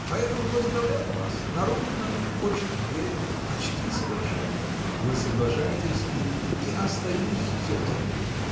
Поэтому поздравляю вас: наружно очерк верен — почти совершенно. — Вы соглашаетесь и. — И остаюсь всё тем же?